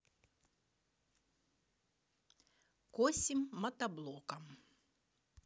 косим мотоблоком